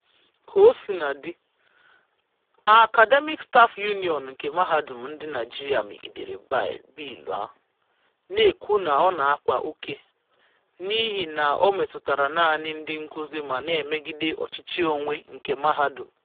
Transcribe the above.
Kaosinadị, Academic Staff Union nke Mahadum ndị Naịjirịa megidere bịịlụ ahụ, na-ekwu na ọ na-akpa ókè n'ihi na o metụtara naanị ndị nkuzi ma na-emegide ọchịchị onwe nke mahadum.